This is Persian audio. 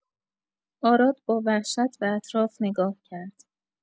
آراد با وحشت به اطراف نگاه کرد.